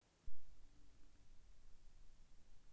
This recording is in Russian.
гарантирую жизнь фильм